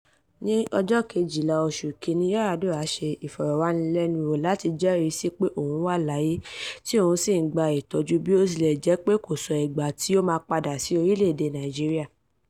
Ní 12 oṣù Kìíní, Yar'Adua ṣe ìfọ̀rọ̀wánilẹ́nuwò láti jẹ́rìí sí pé òun wà láyé tí òun sì ń gba Ìtọ́jú, bí ó tilẹ̀ jẹ́ pé kò sọ ìgbà tí ó maa padà sí orílẹ̀-èdè Nàìjíríà.